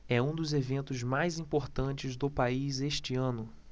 é um dos eventos mais importantes do país este ano